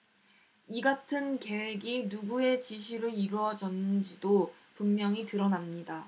이 같은 계획이 누구의 지시로 이뤄졌는지도 분명히 드러납니다